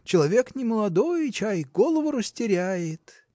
человек не молодой: чай, голову растеряет.